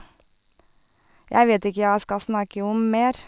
Jeg vet ikke jeg skal snakke om mer.